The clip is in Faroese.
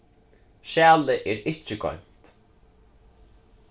skjalið er ikki goymt